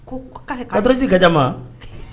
Ko kadsi ka jama